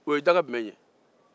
o ye daga jumɛn ye